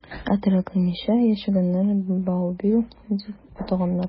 Ә теркәлмичә яшәгәннәрен «баубил» дип атаганнар.